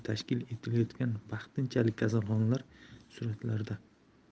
tashkil etilayotgan vaqtinchalik kasalxonalar suratlarda